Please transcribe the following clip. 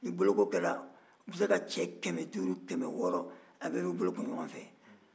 u bɛ se ka cɛ kɛmɛduura kɛmɛwɔɔo boloko ɲɔgɔn fɛ